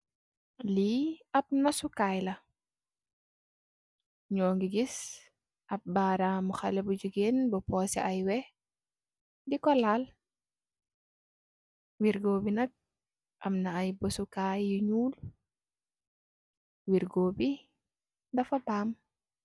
Lii ab nasu kaay la. Ñoo go gis ab baaraamu xalé bu jigéen bu poose weh, di Kal. Wergoo bi nak, am na ay... yu ñuul. Wergoo bi, dafa baam.